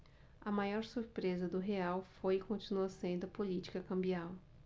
a maior surpresa do real foi e continua sendo a política cambial